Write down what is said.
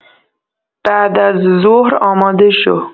بعدازظهر آماده شو.